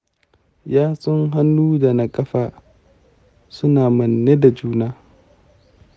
yatsun hannu ɗa na da na ƙafa su na manne da juna.